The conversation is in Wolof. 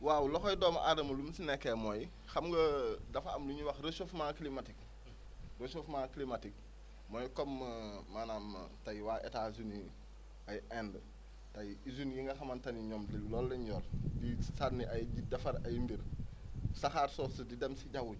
waaw loxoy doomu aadama ni mu si nekkee mooy xam nga dafa am lu ñuy wax récheuffement climatique réchauffement :fraclimatique mooy comme maanaam tey waa Etat-Unis ay Inde ay usines yi nga xamante ni ñoom loolula ñu yor di sànni ay di defar ay mbir saxaar soosu di dem si jaww ji